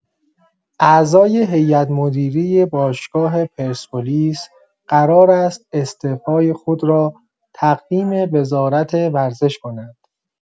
اعضای هیئت‌مدیره باشگاه پرسپولیس قرار است استعفای خود را تقدیم وزارت ورزش کنند.